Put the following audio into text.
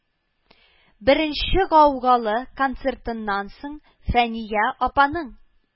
Беренче гаугалы концертыннан соң фәния апаның